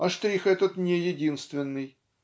А штрих этот не единственный.